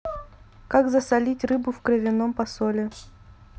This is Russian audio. как засолить рыбу в кровяном посоле